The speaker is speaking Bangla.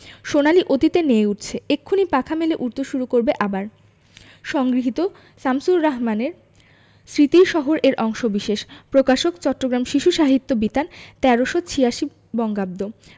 সোনালি অতীতে নেয়ে উঠেছে এক্ষুনি পাখা মেলে উড়তে শুরু করবে আবার সংগৃহীত শামসুর রাহমানের স্মৃতির শহর এর অংশবিশেষ প্রকাশকঃ চট্টগ্রাম শিশু সাহিত্য বিতান ১৩৮৬ বঙ্গাব্দ